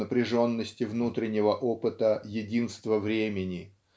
в напряженности внутреннего опыта единство времени.